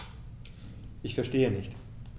Ich verstehe nicht.